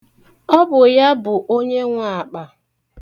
Ọ bụ ya bụ onyenwe akpa.̣